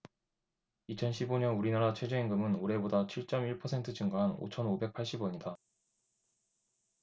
이천 십 오 년 우리나라 최저임금은 올해보다 칠 쩜 일 퍼센트 증가한 오천 오백 팔십 원이다